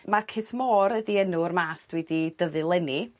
Market more ydi enw'r math dwi 'di dyfu leni.